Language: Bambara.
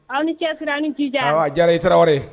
Aw ni cɛsiri aw ni jija, awɔ a diyara an ye i Tarawele